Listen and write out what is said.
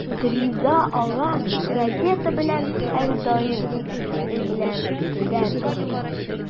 Риза ага газета белән һәрдаим элемтәдә торды.